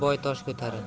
boy tosh ko'tarar